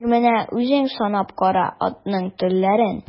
Хәзер менә үзең санап кара атның төрләрен.